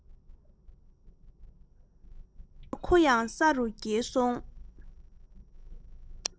དེ མུར ཁོ ཡང ས རུ འགྱེལ སོང